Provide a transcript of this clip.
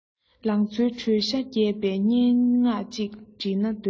ལང ཚོའི དྲོད ཤ རྒྱས པའི སྙན ངག ཅིག འབྲི ན འདོད